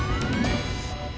chúng